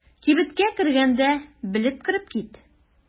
Кибеткә кергәндә белеп кереп кит.